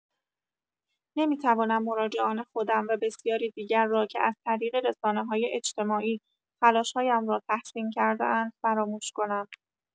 نمی‌توانم مراجعان خودم و بسیاری دیگر را که از طریق رسانه‌های اجتماعی تلاش‌هایم را تحسین کرده‌اند فراموش کنم.